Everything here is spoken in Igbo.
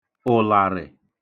ụ̀làrị̀